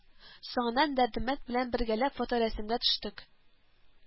Соңыннан Дәрдемәнд белән бергәләп фоторәсемгә төштек